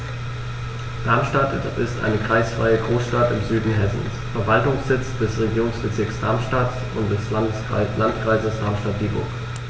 Darmstadt ist eine kreisfreie Großstadt im Süden Hessens, Verwaltungssitz des Regierungsbezirks Darmstadt und des Landkreises Darmstadt-Dieburg.